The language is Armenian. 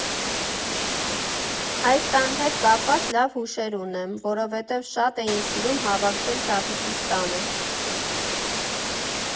Այս տան հետ կապված լավ հուշեր ունեմ, որովհետև շատ էինք սիրում հավաքվել տատիկիս տանը։